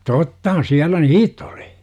tottahan siellä niitä oli